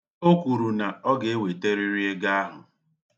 O kwuru na ọ ga-eweterịrị ego ahụ.